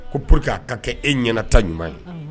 Koo que' ka kɛ e ɲɛna ta ɲuman ye